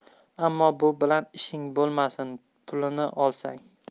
ammo bu bilan ishing bulmasin pulini olsang